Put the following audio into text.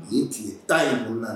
Nin tile 10 in